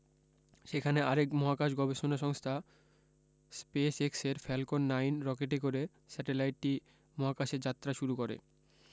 সেখানে আরেক মহাকাশ গবেষণা সংস্থা স্পেসএক্সের ফ্যালকন ৯ রকেটে করে স্যাটেলাইটটি মহাকাশে যাত্রা শুরু করে